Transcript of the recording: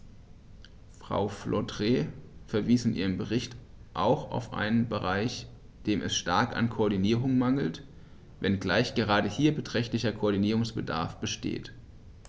Frau Flautre verwies in ihrem Bericht auch auf einen Bereich, dem es stark an Koordinierung mangelt, wenngleich gerade hier beträchtlicher Koordinierungsbedarf besteht.